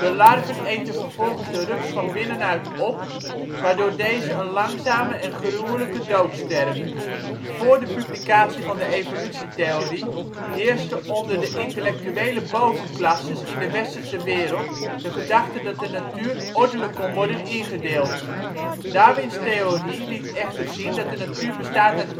larven eten vervolgens de rups van binnenuit op, waardoor deze een langzame en gruwelijke dood sterft. Voor de publicatie van de evolutietheorie heerste onder de intellectuele bovenklasses in de Westerse wereld de gedachte dat de natuur ordelijk kon worden ingedeeld. Darwins theorie liet echter zien dat de natuur bestaat uit